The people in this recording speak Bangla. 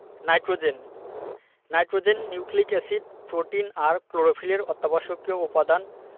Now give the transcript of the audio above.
nitrogen nitrogen nucleic acid protein আর ক্লোরোফিলের অত্যাবশ্যকীয় উপাদান